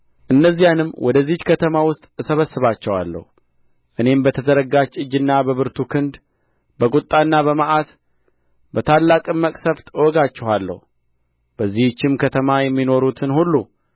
እነዚያንም ወደዚህች ከተማ ውስጥ እሰበስባቸዋለሁ እኔም በተዘረጋች እጅና በብርቱ ክንድ በቍጣና በመዓት በታላቅም መቅሠፍት እወጋችኋለሁ በዚህችም ከተማ የሚኖሩትን ሁሉ